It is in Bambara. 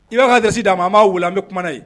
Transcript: I b'a ka jate d' ma a b'a wele an bɛ kuma ye